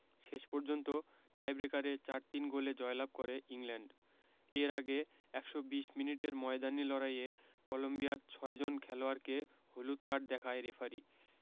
শেষ পর্যন্ত টাইট্রেকারে ৪ ৩ গোলে জয়লাভ করে ইংল্যান্ড এর আগে ১২০ মিনিটের ময়দানি লড়াইয়ে কলম্বিয়ার ছয়জন খেলোয়াড়কে হলুদ কার্ড দেখায় রেফারি